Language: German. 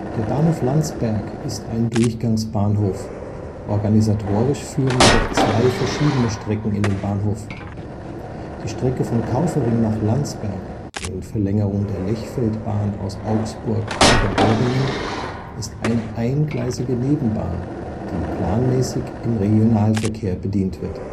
Der Bahnhof Landsberg ist ein Durchgangsbahnhof, organisatorisch führen jedoch zwei verschiedene Strecken in den Bahnhof. Die Strecke von Kaufering nach Landsberg (in Verlängerung der Lechfeldbahn aus Augsburg über Bobingen) ist eine eingleisige Nebenbahn (VzG-Nummer 5364), die planmäßig im Regionalverkehr bedient wird